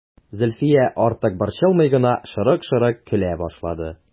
Зөлфия, артык борчылмый гына, шырык-шырык көлә башлады.